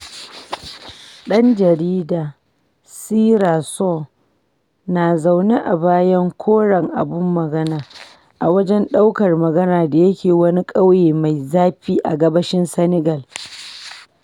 Ɗan jarida Sira Sow na zaune a bayan koren abun magana a wajen daukar magana da yake wani ƙauye mai zafi a gabashin Senegal.